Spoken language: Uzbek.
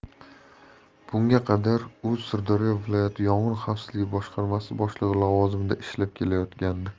bunga qadar u sirdaryo viloyati yong'in xavfsizligi boshqarmasi boshlig'i lavozimida ishlab kelayotgandi